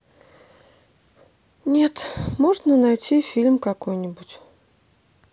нет можно найти фильм какой нибудь